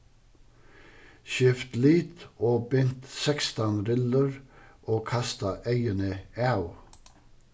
skift lit og bint sekstan rillur og kasta eyguni av